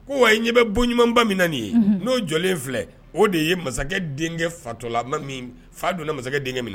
Ko wa ɲɛ bɛ bo ɲumanbamin nin ye n'o jɔlen filɛ o de ye masakɛ denkɛ fatɔ la ma min fa donna masakɛ denkɛ minɛ